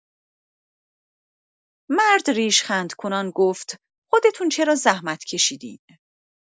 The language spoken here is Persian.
مرد ریشخندکنان گفت خودتون چرا زحمت کشیدین؟